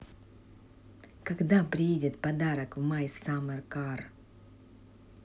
когда придет подарок в my summer car